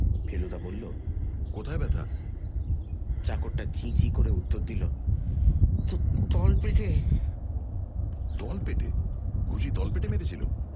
ফেলুদা বলল কোথায় ব্যথা চাকরটা চি চি করে উত্তর দিল তলপেটে তলপেটে ঘুষি তলপেটে মেরেছিল